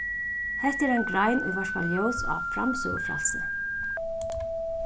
hetta er ein grein ið varpar ljós á framsøgufrælsi